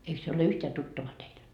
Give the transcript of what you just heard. eikö se ole yhtään tuttava teille